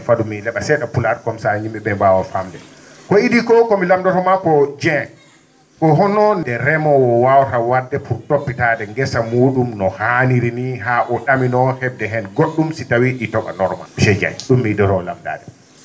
fado mi le?a see?a pulaar comme ça yim?e ?ee mbaawa faamde ko idii koo ko mi lamndoro maa ko Dieng ko honoo nde remoowo waawata wa?de pour toppiraade gesa muu?um no haaniri nii haa mbo ?aminoo he?de heen go??um si tawii ?i to?a normal monsieur Dieng ko ?um mi idoroo lamndaade ma